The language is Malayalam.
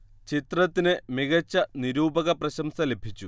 ചിത്രത്തിന് മികച്ച നിരൂപക പ്രശംസ ലഭിച്ചു